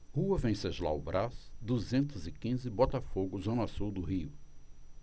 rua venceslau braz duzentos e quinze botafogo zona sul do rio